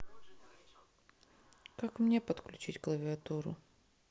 как мне подключить клавиатуру